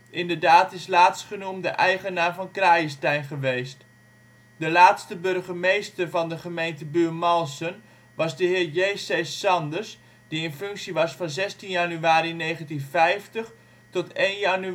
Inderdaad is laatstgenoemde eigenaar van Crayestein geweest. De laatste burgemeester van de gemeente Buurmalsen was de heer J.C. Sanders, die in functie was van 16 januari 1950 tot 1 januari 1978